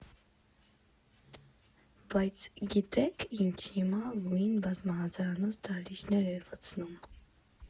Բայց գիտե՞ք ինչ, հիմա Լուին բազմահազարանոց դահլիճներ է լցնում։